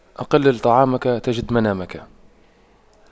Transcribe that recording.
أقلل طعامك تجد منامك